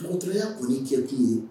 Mɔgɔtura yya kɔni cɛkun ye